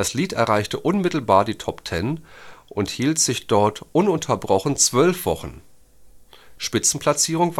Lied erreichte unmittelbar die Top Ten und hielt sich dort ununterbrochen 32 Wochen; Spitzenplatzierung